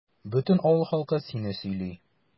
Бөтен авыл халкы сине сөйли.